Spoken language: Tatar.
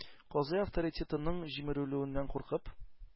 Казый, авторитетының җимерелүеннән куркып,